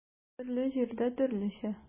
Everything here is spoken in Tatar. Төрле җирдә төрлечә.